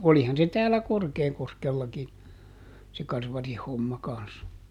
olihan se täällä Korkeakoskellakin se karvarin homma kanssa